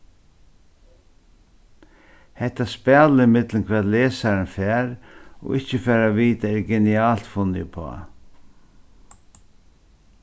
hetta spælið millum hvat lesarin fær og ikki fær at vita er genialt funnið uppá